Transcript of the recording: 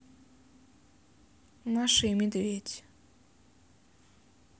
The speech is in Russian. маша и медведь